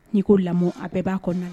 N'i ko lamɔ a bɛɛ b'a kɔnɔ na